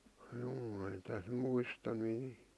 juu ei tässä muista niin